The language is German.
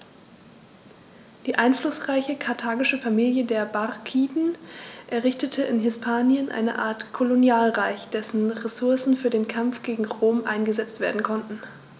Die einflussreiche karthagische Familie der Barkiden errichtete in Hispanien eine Art Kolonialreich, dessen Ressourcen für den Kampf gegen Rom eingesetzt werden konnten.